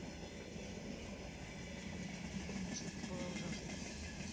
нет шутка была ужасная